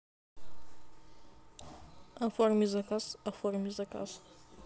оформи заказ оформи заказ